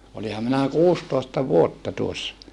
olinhan minä kuusitoista vuotta tuossa